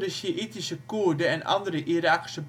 Sjiïtische Koerden en andere Iraakse